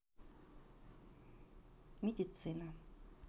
медицина